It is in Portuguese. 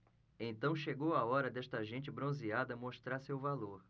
então chegou a hora desta gente bronzeada mostrar seu valor